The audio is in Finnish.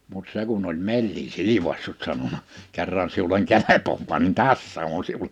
mutta se kun oli mellin silpaissut sanonut kerran sinulle kelpaa niin tässä on sinulle